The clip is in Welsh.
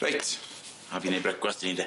Reit a fi i neud bregwast i ni de.